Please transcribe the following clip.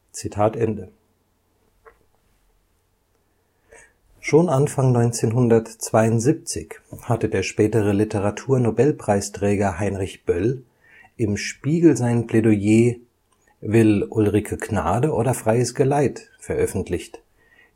– Werner Maihofer Schon Anfang 1972 hatte der spätere Literaturnobelpreisträger Heinrich Böll im Spiegel sein Plädoyer Will Ulrike Gnade oder freies Geleit? veröffentlicht,